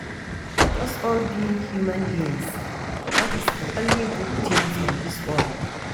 Let us all be human beings, that is the only good thing on this world.